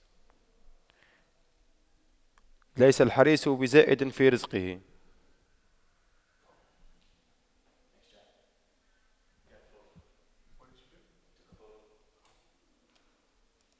ليس الحريص بزائد في رزقه